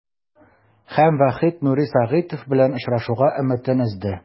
Һәм Вахит Нури Сагитов белән очрашуга өметен өзде.